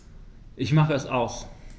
Ich mache es aus.